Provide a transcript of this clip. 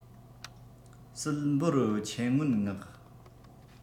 སྲིད འབོར ཆེན སྔོན མངག